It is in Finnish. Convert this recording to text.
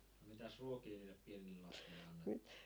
mitäs ruokia niille pienille lapsille annettiin